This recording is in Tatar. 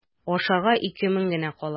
Ашарга ике мең генә кала.